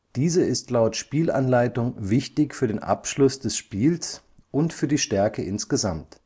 Diese ist laut Spielanleitung wichtig für den Abschluss des Spiels und für die Stärke insgesamt